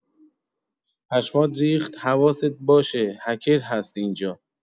پشمات ریخت هواست باشه هکر هست اینجا